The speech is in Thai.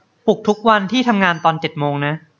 ปลุกทุกวันที่ทำงานตอนเจ็ดโมงนะ